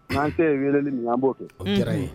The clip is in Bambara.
' tɛ ye wele ni min an b'o kɛ o kɛra ye